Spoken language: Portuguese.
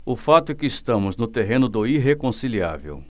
o fato é que estamos no terreno do irreconciliável